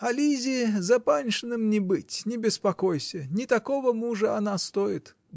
-- А Лизе за Паншиным не быть, не беспокойся; не такого мужа она стоит.